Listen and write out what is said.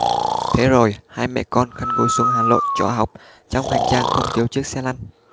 thế rồi hai mẹ con khăn gói xuống hà nội trọ học trong hành trang không thiếu chiếc xe lăn